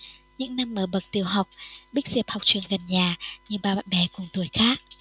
những năm ở bậc tiểu học bích diệp học trường gần nhà như bao bạn bè cùng tuổi khác